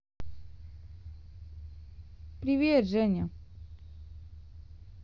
привет женя